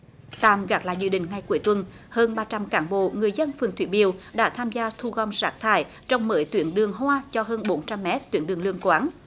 tạm gác lại dự định ngày cuối tuần hơn ba trăm cán bộ người dân phường thủy biều đã tham gia thu gom rác thải trong mười tuyến đường hoa cho hơn bốn trăm mét tuyến đường lương quán